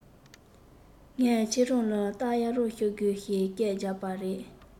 ངས ཁྱེད རང ལ རྟ གཡར རོགས ཞུ དགོས ཞེས སྐད རྒྱབ པ རེད